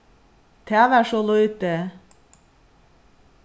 tað var so lítið